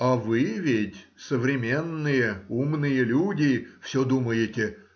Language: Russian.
А вы ведь, современные умные люди, все думаете